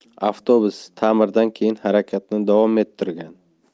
avtobus ta'mirdan keyin harakatni davom ettirgan